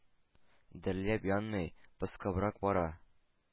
Дөрләп янмый, пыскыбрак бара.